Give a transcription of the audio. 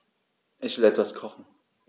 Ich will etwas kochen.